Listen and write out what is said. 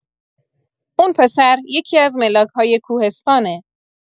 اون پسر یکی‌از ملاک‌های کوهستانه